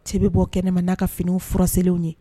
Cɛ bɛ bɔ kɛnɛ ma n'a ka finiw furasiw ye.